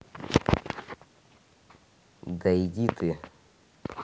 да иди ты